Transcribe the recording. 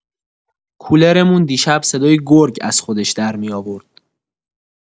کولرمون دیشب صدای گرگ از خودش درمی‌آورد.